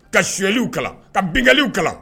Ka sonyaliw kalan kalan ka binkaliw kalan